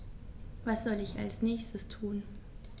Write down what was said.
Was soll ich als Nächstes tun?